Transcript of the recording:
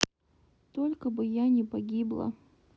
только бы я не погибла